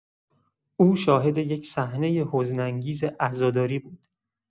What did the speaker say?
او شاهد یک صحنه حزن‌انگیز عزاداری بود.